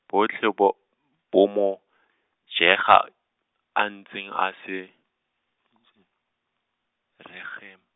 botlhe bo, bo mo, jega, a ntseng a se , regem-.